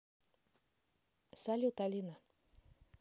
салют алина